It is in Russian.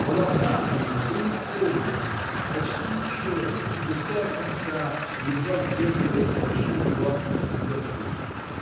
Волоса у нее были темные, почти черные, и густая коса едва сдерживалась большими булавками на затылке.